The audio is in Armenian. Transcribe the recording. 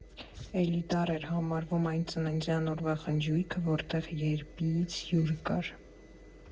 Էլիտար էր համարվում այն ծննդյան օրվա խնջույքը, որտեղ ԵրՊԻ֊ից հյուր կար։